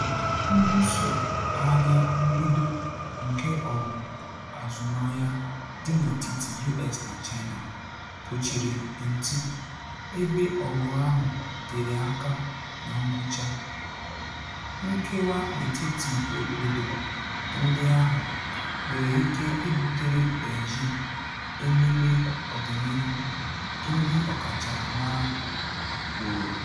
Mbuso agha mbido nke ọgụ azụmahịa dị n’etiti US na China kpuchiri nti, ebe ọgụ ahụ tere aka na ngwụcha, nkewa n’etiti obodo ndị ahụ nwere ike ibuteere Beijing elele n’ọdịnihu, ndị ọkachamara kwuru.